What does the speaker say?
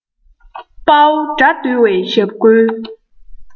དཔའ བོ དགྲ འདུལ བའི ཞབས བསྐུལ